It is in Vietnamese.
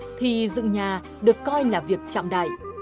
thì dựng nhà được coi là việc trọng đại